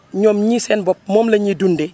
ñoom ñii seen bopp moom la ñuy dundee